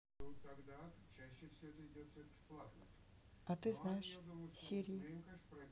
а ты знаешь сири